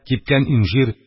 Кипкән инҗир,